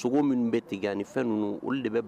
Sogo minnu bɛ tigɛ ani fɛn ninnu olu de